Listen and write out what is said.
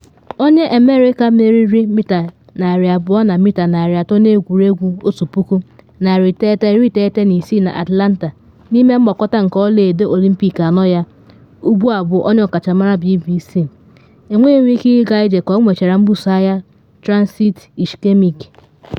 Onye America, meriri mita 200 na mita 400 na Egwuregwu 1996 na Atlanta n’ime mgbakọta nke ọla-edo Olympic ano ya, ugbu a bụ onye ọkachamara BBC, enwenwughi ike ịga ije ka ọ nwechara mbuso agha transient ischemic.